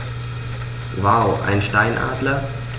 Wow! Einen Steinadler?